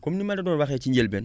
comme ni ma la doon waxee ci njëlbéen